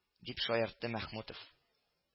—дип шаяртты мәхмүтов